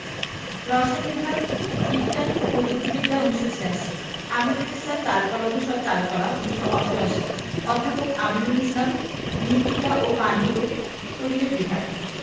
রসায়ন বিভাগ বিজ্ঞান ও প্রযুক্তি বিদ্যা ১৯৮৬ আমিনুল ইসলাম চারুকলা অনুষদ চারুকলা ১৯৮৮ অধ্যাপক আমিনুল ইসলাম মৃত্তিকা পানি ও পরিবেশ বিভাগ